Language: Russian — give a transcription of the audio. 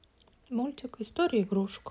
мультик история игрушек